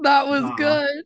That was good.